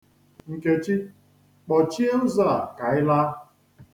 Nkechi, kpọchie ụzọ a ka anyị laa.